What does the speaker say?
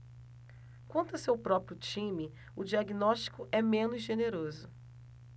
quanto ao seu próprio time o diagnóstico é menos generoso